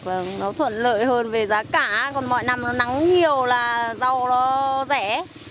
vâng nó thuận lợi hơn về giá cả còn mọi năm nó nắng nhiều là rau nó rẻ